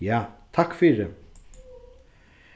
ja takk fyri